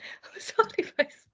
O sori bois!